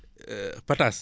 pataas